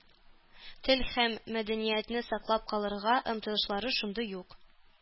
Тел һәм мәдәниятне саклап калырга омтылышлары шундый ук.